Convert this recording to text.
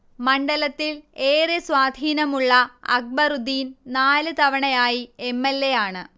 മണ്ഡലത്തിൽ ഏറെ സ്വാധീനമുള്ള അക്ബറുദ്ദീൻ നാല് തവണയായി എം. എൽ. എ യാണ്